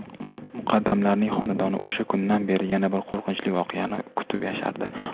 muqaddamlarning xonadoni o'sha kundan beri yana bir qo'rqinchli voqeani kutib yashardi